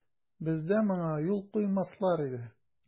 Бездә моңа юл куймаслар иде.